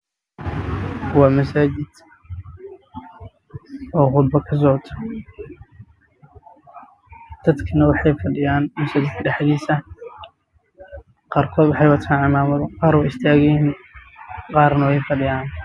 Waa masaajid waxaa ii muuqda niman badan